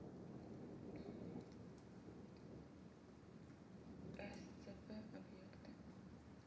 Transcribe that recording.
scp объекты